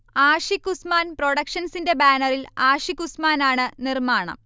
ആഷിക്ഉസ്മാൻ പ്രൊഡക്ഷൻസിന്റെ ബാനറിൽ ആഷിഖ് ഉസ്മാനാണ് നിർമാണം